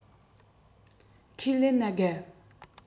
ཁས ལེན ན དགའ